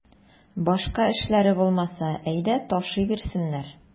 Башка эшләре булмаса, әйдә ташый бирсеннәр.